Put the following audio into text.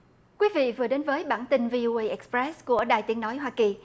quý vị vừa đến với bản tin vi ô ây ích pét của đài tiếng nói hoa kỳ